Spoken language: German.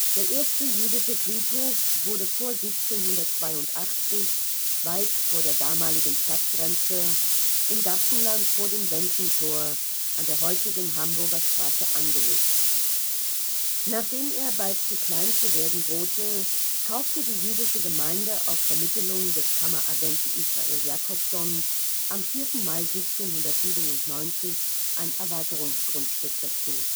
Der erste jüdische Friedhof wurde vor 1782, weit vor der damaligen Stadtgrenze, im Gartenland vor dem Wendentor, an der heutigen Hamburger Straße angelegt. Nachdem er bald zu klein zu werden drohte, kaufte die Jüdische Gemeinde auf Vermittelung des Kammeragenten Israel Jacobson am 4. Mai 1797 ein Erweiterungsgrundstück dazu